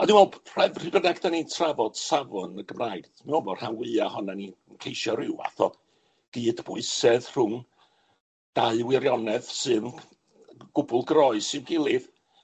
A dwi'n me'wl, p- pry- pryd bynnag 'dan ni'n trafod safon y Gymraeg, dwi'n me'wl bo' rhan fwya ohonan ni yn ceisio ryw fath o gydbwysedd rhwng dau wirionedd sy'n gwbwl groes i'w gilydd,